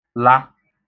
la